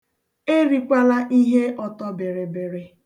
Erikwala ihe ọtọ bịrịbịrị.